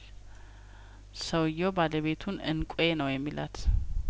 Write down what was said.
ሰውዬው ባለቤቱን እንቋ ነው የሚላት